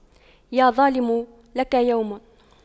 يا ظالم لك يوم